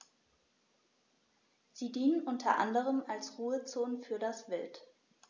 Sie dienen unter anderem als Ruhezonen für das Wild.